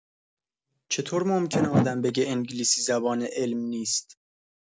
چطور ممکنه آدم بگه انگلیسی‌زبان علم نیست؟